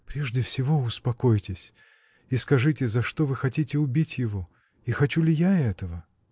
— Прежде всего успокойтесь и скажите, за что вы хотите убить его и хочу ли я этого?